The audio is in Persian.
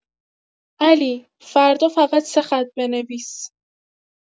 علی، فردا فقط سه خط بنویس.